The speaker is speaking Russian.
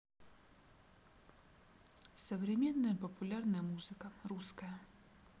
современная популярная музыка русская